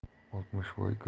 oltmishvoy giroy bo'lib